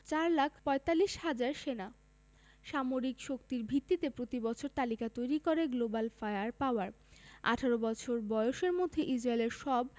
৪ লাখ ৪৫ হাজার সেনা সামরিক শক্তির ভিত্তিতে প্রতিবছর তালিকা তৈরি করে গ্লোবাল ফায়ার পাওয়ার ১৮ বছর বয়সের মধ্যে ইসরায়েলের সব